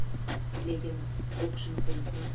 lekin o'qishni qo'msab